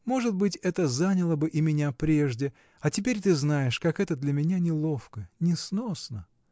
Может быть, это заняло бы и меня прежде, а теперь, ты знаешь, как это для меня неловко, несносно.